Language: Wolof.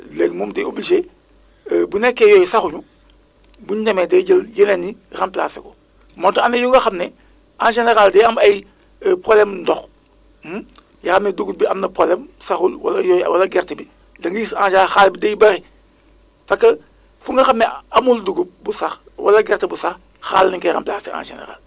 léegi moom day obligé bu nekkee yooyu saxuñu buñ demee day jël yeneen yi remplacé ko moo tax am na yu nga xam ne en général day am ay problème ndox yoo xam ne dugub bi am na problème saxul wala yooyu wala gerte bi da ngay gis en général xaal day bëre parce que fu nga xam ne amul dugub bu sax wala gerte bu sax xaal lañ koy remplacé en général